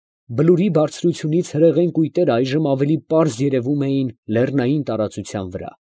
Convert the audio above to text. Բլուրի բարձրությունից հրեղեն կույտերը այժմ ավելի պարզ երևում էին լեռնային տարածության վրա։